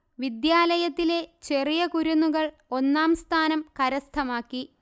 വിദ്യാലയത്തിലെ ചെറിയ കുരുന്നുകൾ ഒന്നാം സ്ഥാനം കരസ്ഥമാക്കി